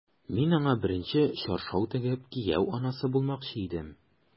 Мин аңа беренче чаршау тегеп, кияү анасы булмакчы идем...